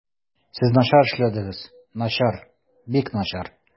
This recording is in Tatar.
Сез начар эшләдегез, начар, бик начар.